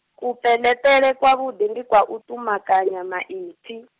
kupeleṱele kwavhuḓi ndi kwa u tumukanya maipfi.